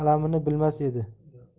alamini bilmas edi